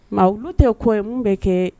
Maa olu tɛ ko ye mun be kɛ